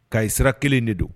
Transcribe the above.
Kaye sira kelen in de don.